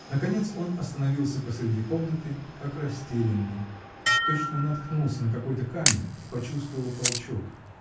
Наконец он остановился посреди комнаты как растерянный, точно наткнулся на какой-то камень и почувствовал толчок.